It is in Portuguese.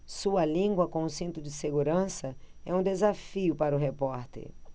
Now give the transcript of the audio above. sua língua com cinto de segurança é um desafio para o repórter